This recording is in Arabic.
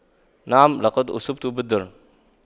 نعم لقد أصبت بالدرن